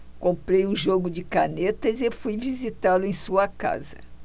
comprei um jogo de canetas e fui visitá-lo em sua casa